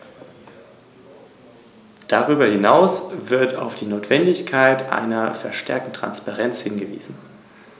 Anhand der Daten des sechsten Berichts wird deutlich, dass das regionale Gefälle in den letzten zehn Jahren erheblich zugenommen hat.